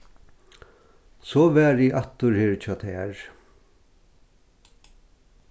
so var eg aftur her hjá tær